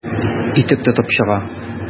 Итек тотып чыга.